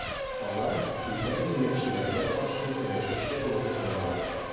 Алар үтә милләтчеләргә каршы көрәшүче булып санала.